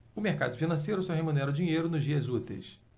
o mercado financeiro só remunera o dinheiro nos dias úteis